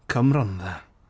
Cwm Rhondda.